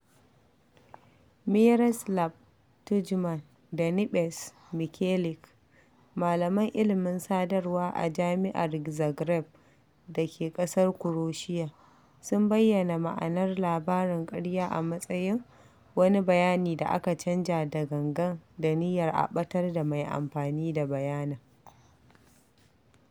Miroslaɓ Tudjman da Niɓes Mikelic, malaman ilimin sadarwa a Jami'ar Zagreb da ke ƙasar Kuroshiya, sun bayyana ma'anar labarin ƙarya a matsayin "wani bayani da aka canja da gangan da niyyar a ɓatar da mai amfani da bayanin".